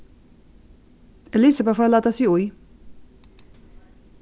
elisabet fór at lata seg í